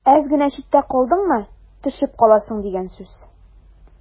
Әз генә читтә калдыңмы – төшеп каласың дигән сүз.